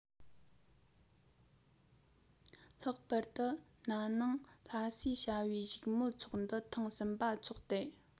ལྷག པར དུ ན ནིང ལྷ སའི བྱ བའི བཞུགས མོལ ཚོགས འདུ ཐེངས གསུམ པ འཚོགས ཏེ